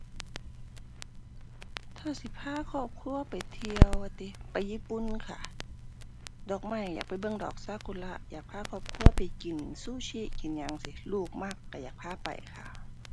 ถ้าสิพาครอบครัวไปเที่ยวว่าติ ไปญี่ปุ่นค่ะ ดอกไม้ อยากไปเบิ่งดอกซากุระ อยากพาครอบครัวไปกินซูชิ กินหยังจั่งซี้ ลูกมัก ก็อยากพาไปค่ะ